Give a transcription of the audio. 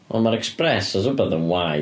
Ond mae'r Express os wbath yn waeth.